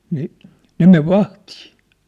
niin ne meni vahtiin